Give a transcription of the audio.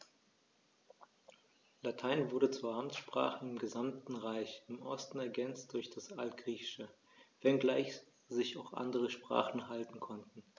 Latein wurde zur Amtssprache im gesamten Reich (im Osten ergänzt durch das Altgriechische), wenngleich sich auch andere Sprachen halten konnten.